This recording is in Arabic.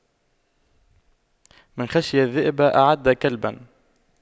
من خشى الذئب أعد كلبا